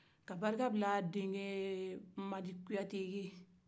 ka barika bila a denkɛ madi kunte ye